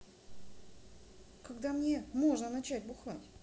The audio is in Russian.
когда мне можно начать бухать